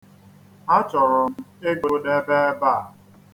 Achọrọ m ịgụdebe ebe a.